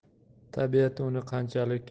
tabiat uni qanchalik